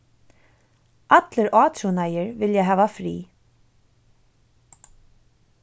allir átrúnaðir vilja hava frið